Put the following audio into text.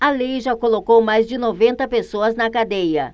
a lei já colocou mais de noventa pessoas na cadeia